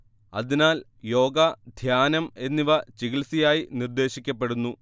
അതിനാൽ യോഗ ധ്യാനം എന്നിവ ചികിത്സയായി നിർദ്ദേശിക്കപ്പെടുന്നു